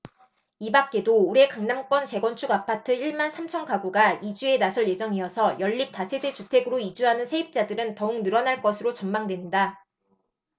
이밖에도 올해 강남권 재건축 아파트 일 만 삼천 가구가 이주에 나설 예정이어서 연립 다세대주택으로 이주하는 세입자들은 더욱 늘어날 것으로 전망된다